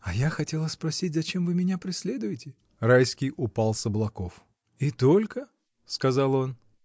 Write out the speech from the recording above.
— А я хотела спросить, зачем вы меня преследуете? Райский упал с облаков. — И только? — сказал он.